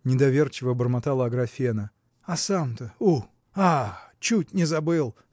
– недоверчиво бормотала Аграфена, – а сам-то – у! – Ах, чуть не забыл!